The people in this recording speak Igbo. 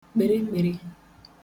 kpèrekpère